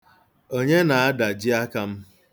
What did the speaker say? Onye na-adaji aka m?